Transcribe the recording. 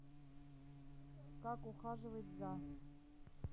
как ухаживать за